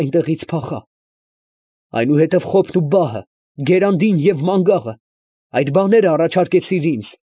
Այնտեղից ես փախա։ Այնուհետև խոփն ու բահը, գերանդին ու մանգաղը, այդ բաները առաջարկեցիր ինձ։